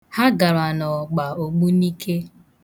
Ha gara n'ọgba Ogbunike.